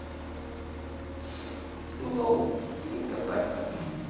лол свинка пеппа